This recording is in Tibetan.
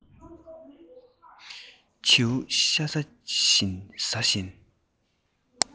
བྱིའུ ཤ ཟ བཞིན ཟ བཞིན